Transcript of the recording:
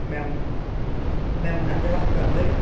mewn...mewn adeiladau yndi?